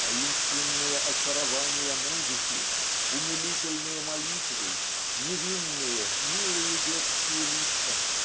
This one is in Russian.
таинственные очарования музыки умилительные молитвы невинные милые детские лица